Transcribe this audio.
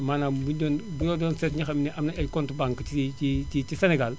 maanaam buñu doon buñu doon seet ñi xam ne am nañu ay comptes banques ci ci ci Sénégal